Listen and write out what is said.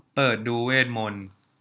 เปิดดูเวทมนต์